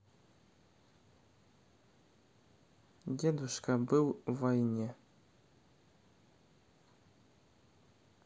дедушка был в войне